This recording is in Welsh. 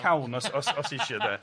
Cawn os os os eisiau de.